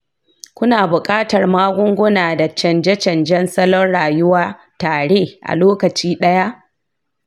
kuna buƙatar magunguna da canje-canjen salon rayuwa tare a lokaci ɗaya.